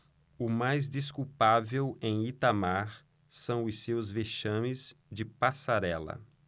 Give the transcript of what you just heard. o mais desculpável em itamar são os seus vexames de passarela